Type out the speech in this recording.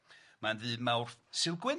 Ocê mae'n ddydd Mawrth Sulgwyn,